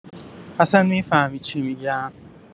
اصا می‌فهمی چی می‌گم؟